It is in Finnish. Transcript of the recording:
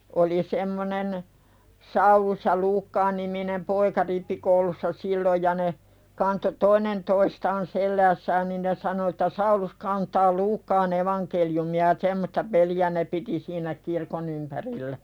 oli semmoinen Saulus ja - Luukkaa-niminen poika rippikoulussa silloin ja ne kantoi toinen toistaan selässään niin ne sanoi että Saulus kantaa Luukkaan evankeliumia ja semmoista peliä ne piti siinä kirkon ympärillä